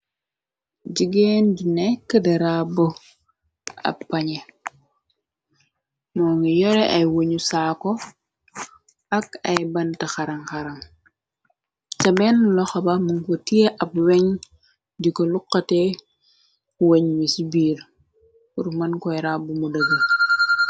Jigeen di nekk darabu ab pañe moo ngi yore ay wëñu saako ak ay bante xaram xaram ca benn loxa ba mun ko tie ab weñ di ko luxate weñ wi ci biir r mën koy rabu mu dëger.